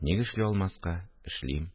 Ник эшли алмаска, эшлим